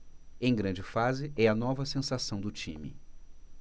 em grande fase é a nova sensação do time